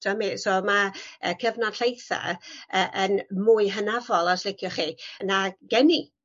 So mi so ma' y cyfnod llaetha yy yn mwy hynafol os liciwch chi na geni.